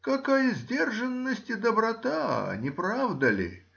Какая сдержанность и доброта! Не правда ли?